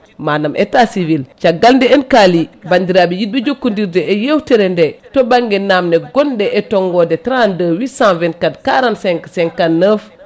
manam état civil caggal nde en kaali bandiraɓe yidɓe jokkodirde e yewtere nde to banggue namde gonɗe e tongode 32 824 45 59